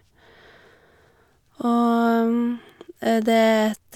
Og det er et...